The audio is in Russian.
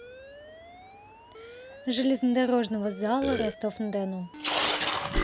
железнодорожного зла ростов на дону